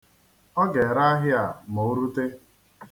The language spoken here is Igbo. Ọ ga-ere ahịa a ma o rute.